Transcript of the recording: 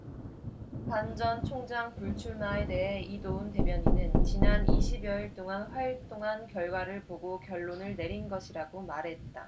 반 전 총장 불출마에 대해 이도운 대변인은 지난 이십 여일 동안 활동한 결과를 보고 결론을 내린 것이라고 말했다